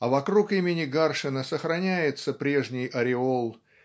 а вокруг имени Гаршина сохраняется прежний ореол